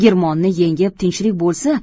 girmonni yengib tinchlik bolsa